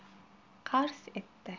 qars etdi